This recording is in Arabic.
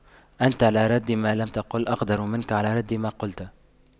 أنت على رد ما لم تقل أقدر منك على رد ما قلت